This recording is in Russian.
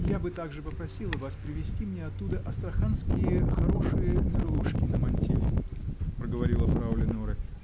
-- Я бы также попросила вас привезти мне оттуда астраханские хорошие мерлушки на мантилью, -- проговорила фрау Леноре.